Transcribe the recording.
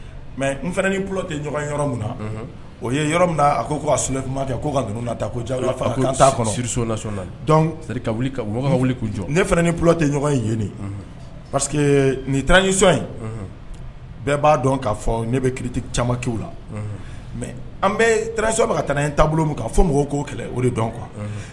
Mɛ n o yɔrɔ min sun kɛ tɛ ɲɔgɔn yen pa nin tsɔn bɛɛ b'a dɔn k'a fɔ ne bɛ ki c kew la mɛ an bɛ tso ka taa taabolo kan fɔ mɔgɔw k' kɛlɛ o de dɔn qu